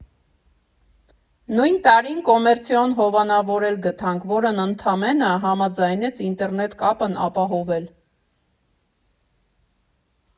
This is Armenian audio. Նույն տարին կոմերցիոն հովանավոր էլ գտանք, որն ընդամենը համաձայնեց ինտերնետ կապն ապահովել։